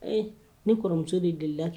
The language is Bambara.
Ee ni kɔrɔmuso bɛ deliki